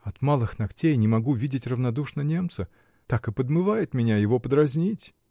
От младых ногтей не могу видеть равнодушно немца: так и подмывает меня его подразнить.